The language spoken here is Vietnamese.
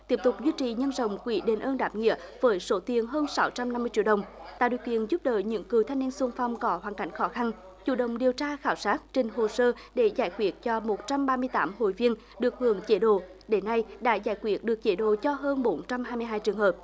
tiếp tục duy trì nhân rộng quỹ đền ơn đáp nghĩa với số tiền hơn sáu trăm năm mươi triệu đồng tạo điều kiện giúp đỡ những cựu thanh niên xung phong có hoàn cảnh khó khăn chủ động điều tra khảo sát trình hồ sơ để giải quyết cho một trăm ba mươi tám hội viên được hưởng chế độ đến nay đã giải quyết được chế độ cho hơn bốn trăm hai mươi hai trường hợp